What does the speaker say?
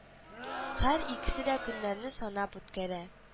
Һәр икесе дә көннәрне санап үткәрә